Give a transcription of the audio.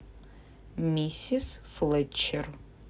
миссис флетчер